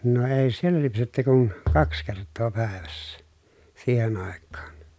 no ei siellä lypsetty kuin kaksi kertaa päivässä siihen aikaan